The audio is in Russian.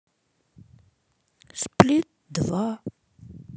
сплит два